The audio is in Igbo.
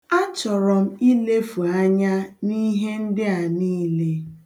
Achọrọ m ilefu anya n'ihe ndị a niile.